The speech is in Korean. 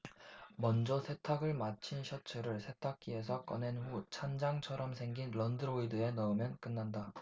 먼저 세탁을 마친 셔츠를 세탁기에서 꺼낸 후 찬장처럼 생긴 런드로이드에 넣으면 끝난다